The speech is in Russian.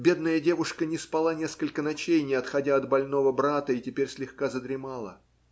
бедная девушка не спала несколько ночей, не отходя от больного брата, и теперь слегка задремала.